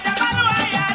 moom la ñuy dejle